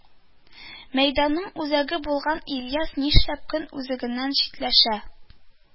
Мәйданның үзәге булган ильяс нишләп көн үзәгеннән читләшә